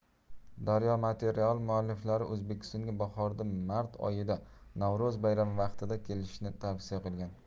daryomaterial mualliflari o'zbekistonga bahorda mart oyida navro'z bayrami vaqtida kelishni tavsiya qilgan